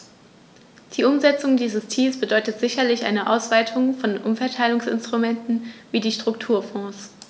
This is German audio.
Die Umsetzung dieses Ziels bedeutet sicherlich eine Ausweitung von Umverteilungsinstrumenten wie die Strukturfonds.